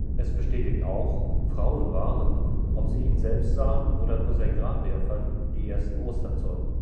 Es bestätigt auch: Frauen waren – ob sie ihn selbst sahen oder nur sein Grab leer fanden – die ersten Osterzeugen